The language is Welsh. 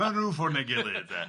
Mewn rhw ffwrdd neu' gilydd de.